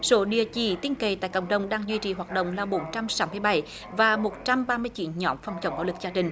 sổ địa chỉ tin cậy tại cộng đồng đang duy trì hoạt động là bốn trăm sáu mươi bảy và một trăm ba mươi chín nhóm phòng chống bạo lực gia đình